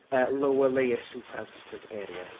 yy Lower layer super output area.